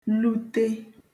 lute